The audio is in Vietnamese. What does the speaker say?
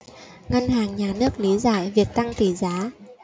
ngân hàng nhà nước lý giải việc tăng tỷ giá